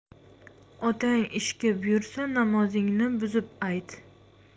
otang ishga buyursa namozingni buzib ayt